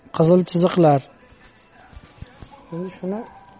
qizil chiziqlar